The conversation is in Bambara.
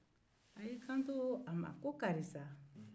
a y'i kanto o ko karisa